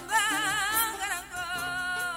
Unɛgɛnin yo